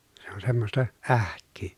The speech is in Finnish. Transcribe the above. se on semmoista ähkyä